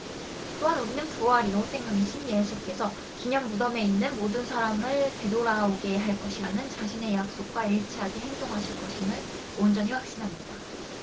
또한 우리는 부활이요 생명이신 예수께서 기념 무덤에 있는 모든 사람을 되돌아오게 할 것이라는 자신의 약속과 일치하게 행동하실 것임을 온전히 확신합니다